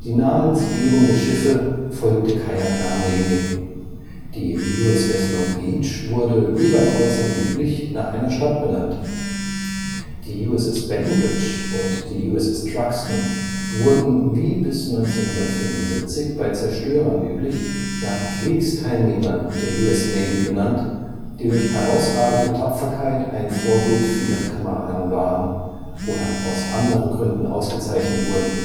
Namensgebung der Schiffe folgte keiner klaren Linie. Die USS Long Beach wurde, wie bei Kreuzern üblich, nach einer Stadt benannt. Die USS Bainbridge und die USS Truxtun, wurden, wie bis 1975 bei Zerstörern üblich, nach Kriegsteilnehmern der US Navy benannt, die durch herausragende Tapferkeit ein Vorbild für ihre Kameraden waren oder aus anderen Gründen ausgezeichnet wurden